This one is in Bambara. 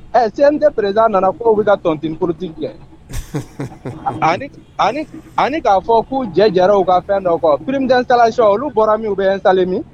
Ɛ sɛyɛn tɛerez nana k' bɛ ka tɔnontoroti cɛ ani ani k'a fɔ k'u jɛ jɛra u ka fɛn fɔ peretan salayɔ olu bɔra min bɛ sale min